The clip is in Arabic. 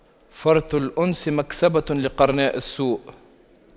فرط الأنس مكسبة لقرناء السوء